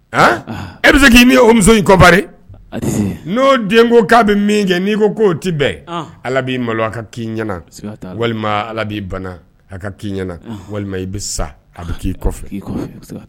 A e bɛ se k'i o muso in kobari n'o den ko k'a bɛ min kɛ n'i ko ko tɛ bɛn ala b'i malo ka ki ɲɛna walima ala b'i bana hakɛ ka k'i ɲɛna walima i bɛ sa a k'i